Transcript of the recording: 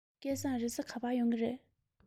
སྐལ བཟང རེས གཟའ ག པར ཡོང གི རེད